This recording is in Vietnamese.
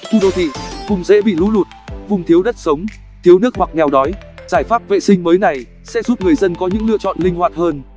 khu đô thị vùng dễ bị lũ lụt vùng thiếu đất sống thiếu nước hoặc nghèo đói giải pháp vệ sinh mới này sẽ giúp người dân có những lựa chọn linh hoạt hơn